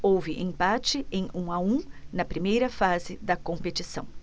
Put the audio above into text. houve empate em um a um na primeira fase da competição